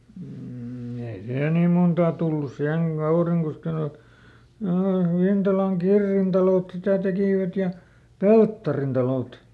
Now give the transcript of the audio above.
mm ei se niin montaa tullut siihen Kaurinkoskellekaan - Vintalan Kirrin talot sitä tekivät ja Pelttarin talot